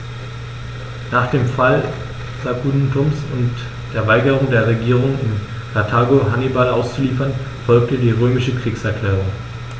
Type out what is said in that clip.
Nach dem Fall Saguntums und der Weigerung der Regierung in Karthago, Hannibal auszuliefern, folgte die römische Kriegserklärung.